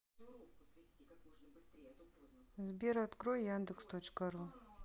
сбер открой яндекс точка ру